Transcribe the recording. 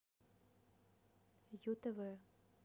ю тв